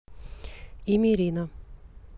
имя ирина